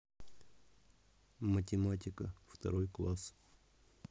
математика второй класс